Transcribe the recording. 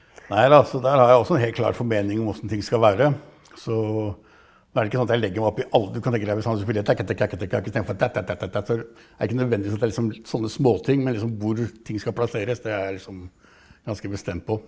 nei da, så der har jeg også en helt klart formening om åssen ting skal være, så nå er det ikke sånn at jeg legger meg opp i du kan tenke deg sånn hvis han vil spille istedenfor så er ikke nødvendig at jeg liksom sånne småting, men liksom hvor ting skal plasseres, det er jeg liksom ganske bestemt på.